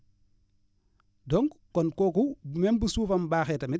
donc kon kooku même bu suufam baaxee tamit